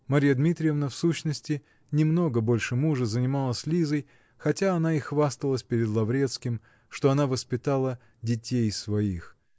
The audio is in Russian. Марья Дмитриевна, в сущности, не много больше мужа занималась Лизой, хотя она и хвасталась перед Лаврецким, что одна воспитала детей своих